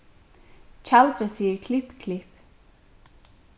tjaldrið sigur klipp klipp